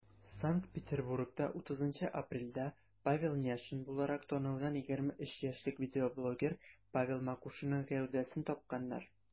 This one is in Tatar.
Санкт-Петербургта 30 апрельдә Павел Няшин буларак танылган 23 яшьлек видеоблогер Павел Макушинның гәүдәсен тапканнар.